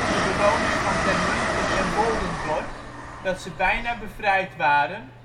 de bewoners van Termunten en Woldendorp dat ze bijna bevrijd waren